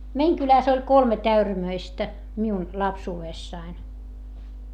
meidän kylässä oli kolme äyrämöistä minun lapsuudessani